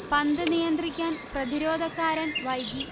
പന്ത് നിയന്ത്രിക്കാൻപ്രതിരോധക്കാരൻവൈകി